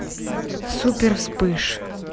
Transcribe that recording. супер вспыш